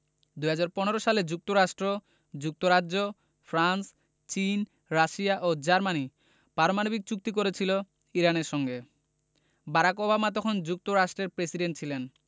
২০১৫ সালে যুক্তরাষ্ট্র যুক্তরাজ্য ফ্রান্স চীন রাশিয়া ও জার্মানি পারমাণবিক চুক্তি করেছিল ইরানের সঙ্গে বারাক ওবামা তখন যুক্তরাষ্ট্রের প্রেসিডেন্ট ছিলেন